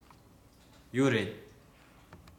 ཡོད རེད